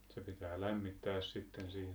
se pitää lämmittää sitten siinä